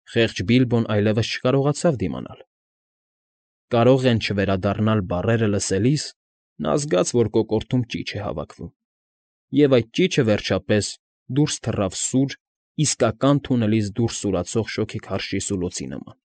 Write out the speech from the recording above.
Խեղճ Բիլբոն այլևս չկարողացավ դիմանալ։ «Կարող են չվերադառնալ» բառերը լսելիս նա զգաց, որ կոկորդում ճիչ է հավաքվում, և այդ ճիչը, վերջապես, դուրս թռավ սուր, իսկական թունելից դուրս սուրացող շոգեքարշի սուլոցի նման։